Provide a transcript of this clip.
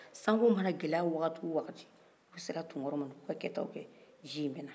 sanko mana gɛlɛya wagati o wagati n' a sera tunkaraw ma ji bɛ na